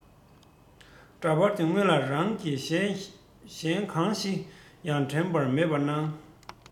འདྲ པར དེ སྔོན ལ རང གི གཞན གང ཞིག ཡང དྲན རྒྱུ མེད པར ནང